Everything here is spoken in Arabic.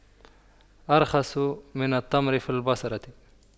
أرخص من التمر في البصرة